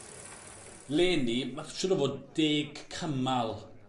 Leni ma' siŵr o fod deg cymal